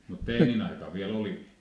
mutta teidän aikana vielä oli